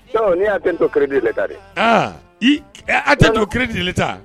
N'i'a den don kidi le ta dɛ aa a tɛ don kiiri deli ta